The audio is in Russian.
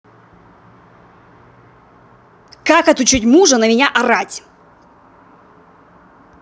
как отучить мужа на меня орать